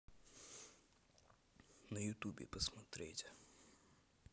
на ютубе посмотреть